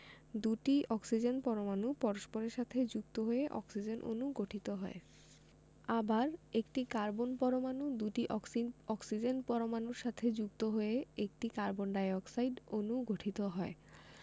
দুটি অক্সিজেন পরমাণু পরস্পরের সাথে যুক্ত হয়ে অক্সিজেন অণু গঠিত হয় আবার একটি কার্বন পরমাণু দুটি অক্সিজেন পরমাণুর সাথে যুক্ত হয়ে একটি কার্বন ডাই অক্সাইড অণু গঠিত হয়